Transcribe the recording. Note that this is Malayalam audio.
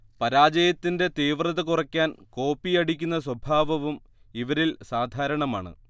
പരാജയത്തിന്റെ തീവ്രത കുറയ്ക്കാൻ കോപ്പിയടിക്കുന്ന സ്വഭാവവും ഇവരിൽ സാധാരണമാണ്